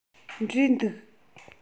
འབྲས འདུག